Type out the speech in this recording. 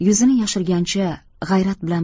yuzini yashirganicha g'ayrat bilan